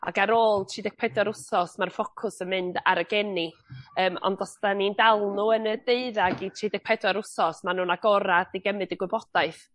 Ag ar ôl tri deg pedwar wsos ma'r ffocws yn mynd ar y geni yym ond os 'dyn ni'n dal n'w yn y deuddag i tri deg pedwar wsos ma' nw'n agorad i gymyd y gwybodaeth.